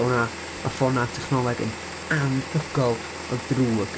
'O na, ma' ffonau a technoleg yn anhygoel o ddrwg.'